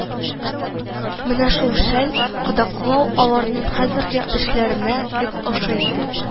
Менә шул шәл кадаклау аларның хәзерге эшләренә бик охшый иде